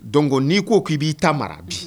Don ko n'i ko k'i b'i ta mara bi